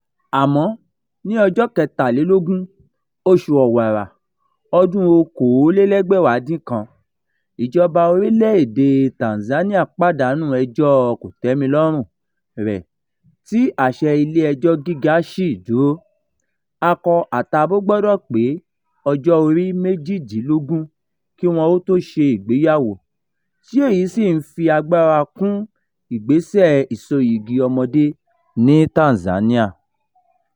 Àmọ́ ní ọjọ́ 23 oṣù Ọ̀wàrà ọdún-un 2019, ìjọba orílẹ̀ èdèe Tanzania pàdánù ẹjọ́ọ kòtẹ́milọ́rùnun rẹ̀ tí àṣẹ ilé ẹjọ́ gíga ṣì dúró: akọ àtabo gbọdọ̀ pé ọjọ́ orí méjìdínlógún kí wọn ó tó ṣe ìgbéyàwó, tí èyí sì ń fi agbára kún ìgbẹ́sẹ̀ ìsoyìgì ọmọdé ní Tanzania.